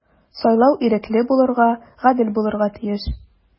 Сайлау ирекле булырга, гадел булырга тиеш.